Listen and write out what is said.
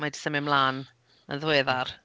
Mae 'di symud mlaen yn ddiweddar.